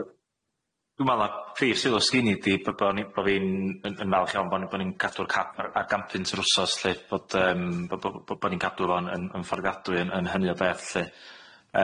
Yy dwi me'wl na prif sylw sgin i 'di bo bo ni bo' fi'n yn yn falch iawn bo ni bo ni'n cadw'r cap ar ar gan punt yr wsos lly bod yym bod bo- bo' ni'n cadw fo'n yn yn fforddiadwy yn yn hynny o beth lly.